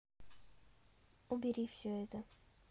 убери все это